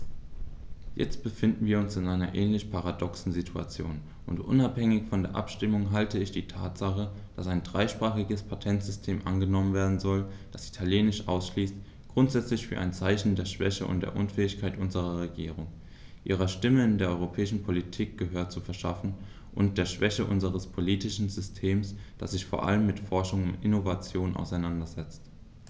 Jetzt befinden wir uns in einer ähnlich paradoxen Situation, und unabhängig von der Abstimmung halte ich die Tatsache, dass ein dreisprachiges Patentsystem angenommen werden soll, das Italienisch ausschließt, grundsätzlich für ein Zeichen der Schwäche und der Unfähigkeit unserer Regierung, ihrer Stimme in der europäischen Politik Gehör zu verschaffen, und der Schwäche unseres politischen Systems, das sich vor allem mit Forschung und Innovation auseinandersetzt.